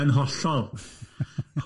Yn hollol.